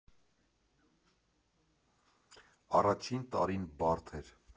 Առաջին տարին բարդ էր։